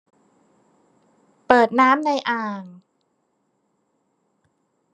เปิดน้ำในอ่าง